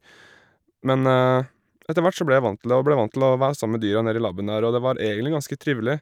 Men etter hvert så ble jeg vant til det, og ble vant til å være sammen med dyra nedi laben der, og det var egentlig ganske trivelig.